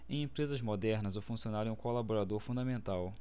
em empresas modernas o funcionário é um colaborador fundamental